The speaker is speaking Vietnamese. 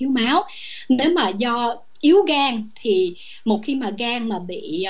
thiếu máu nếu mà do yếu gan thì một khi mà gan mà bị